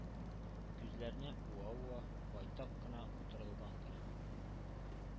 Күзләрне уа-уа байтак кына утырылгандыр.